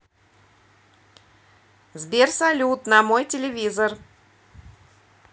сбер салют на мой телевизор